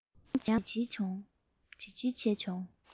ཡང ཡང བྱིལ བྱས བྱུང